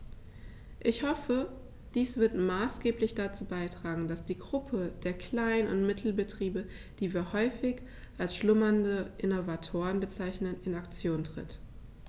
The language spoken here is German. Ich hoffe, dies wird maßgeblich dazu beitragen, dass die Gruppe der Klein- und Mittelbetriebe, die wir häufig als "schlummernde Innovatoren" bezeichnen, in Aktion tritt.